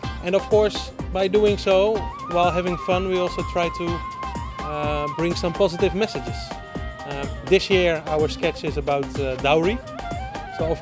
and of course by doing so we're having fun we also trying to bring some positive messages they share our catches about dowry of